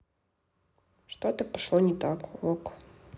что то пошло не так ok